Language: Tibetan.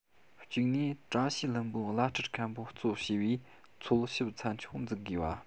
གཅིག ནས བཀྲ ཤིས ལྷུན པོའི བླ སྤྲུལ མཁན པོ གཙོས པའི འཚོལ ཞིབ ཚན ཆུང འཛུགས དགོས པ